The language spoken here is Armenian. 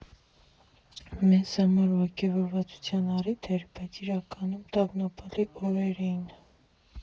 Մեզ համար ոգևորվածության առիթ էր, բայց իրականում տագնապալի օրեր էին։